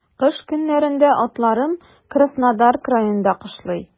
Кыш көннәрендә атларым Краснодар краенда кышлый.